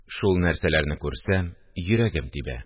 – шул нәрсәләрне күрсәм, йөрәгем тибә